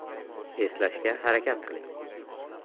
eslashga harakat qiling